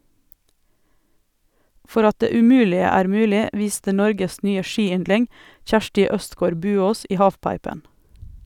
For at det umulige er mulig viste Norges nye skiyndling Kjersti Østgaard Buaas i halfpipen.